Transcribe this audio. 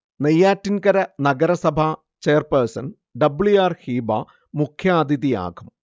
നെയ്യാറ്റിൻകര നഗരസഭ chairperson W R Heeba മുഖ്യാതിഥിയാകും